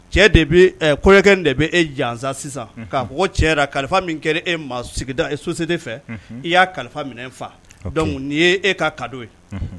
Cɛkɛ de e jansa sisan k'a cɛ kalifa min kɛra e sigida e sose de fɛ i y'a kalifa minɛ fa nin ye e ka ka ye